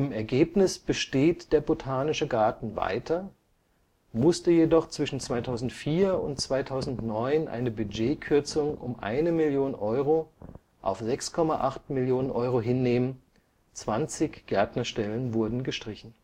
Ergebnis besteht der Botanische Garten weiter, musste jedoch zwischen 2004 und 2009 eine Budgetkürzung um eine Million Euro auf 6,8 Mio. Euro hinnehmen, zwanzig Gärtnerstellen wurden gestrichen